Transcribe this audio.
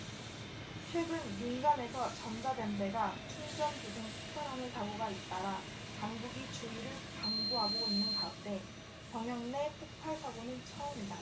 최근 민간에서 전자담배가 충전 도중 폭발하는 사고가 잇따라 당국이 주의를 당부하고 있는 가운데 병영 내 폭발 사고는 처음이다